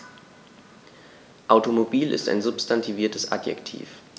Automobil ist ein substantiviertes Adjektiv.